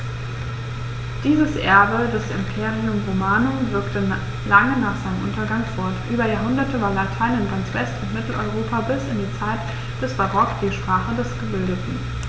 Dieses Erbe des Imperium Romanum wirkte lange nach seinem Untergang fort: Über Jahrhunderte war Latein in ganz West- und Mitteleuropa bis in die Zeit des Barock die Sprache der Gebildeten.